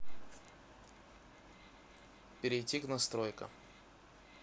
перейти к настройкам